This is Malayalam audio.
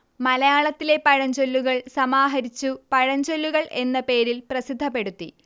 മലയാളത്തിലെ പഴഞ്ചൊല്ലുകൾ സമാഹരിച്ചു പഴഞ്ചൊല്ലുകൾ എന്ന പേരിൽ പ്രസിദ്ധപ്പെടുത്തി